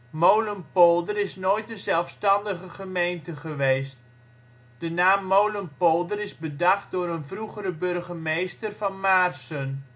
Molenpolder is nooit een zelfstandige gemeente geweest. De naam Molenpolder is bedacht door een vroegere burgemeester van Maarssen